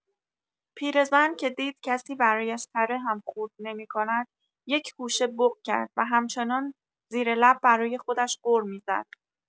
پیر زن که دید کسی برایش تره هم خورد نمی‌کند یک‌گوشه بق کرد و همچنان زیر لب برای خودش غر می‌زد.